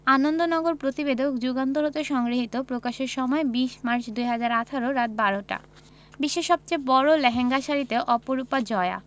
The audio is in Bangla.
আনন্দনগর প্রতিবেদক যুগান্তর হতে সংগৃহীত প্রকাশের সময় ২০মার্চ ২০১৮ রাত ১২০০ টা বিশ্বের সবচেয়ে বড় লেহেঙ্গা শাড়িতে অপরূপা জয়া